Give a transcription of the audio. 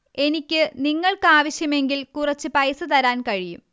എനിക്ക് നിങ്ങള്ക്ക് ആവശ്യമെങ്കില് കുറച്ച് പൈസ തരാന് കഴിയും